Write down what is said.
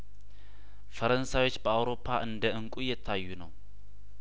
ፈረንሳዮች በአውሮፓ እንደእንቁ እየታዩ ነው